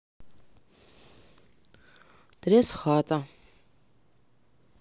трес хата